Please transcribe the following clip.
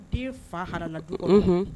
Den fa hala